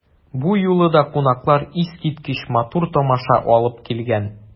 Бу юлы да кунаклар искиткеч матур тамаша алып килгән.